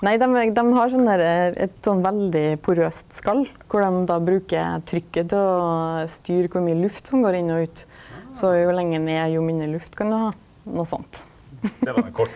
nei dei dei har sånn derre eit sånn veldig porøst skal kor dei då bruker trykket til å styra kor mykje luft som går inn og ut, så jo lenger ned, jo mindre luft kan det ha, noko sånt.